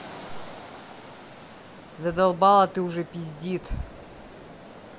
задолбала ты уже пиздит